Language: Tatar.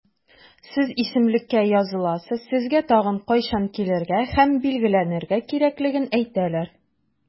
Сез исемлеккә языласыз, сезгә тагын кайчан килергә һәм билгеләнергә кирәклеген әйтәләр.